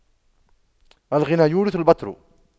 الغنى يورث البطر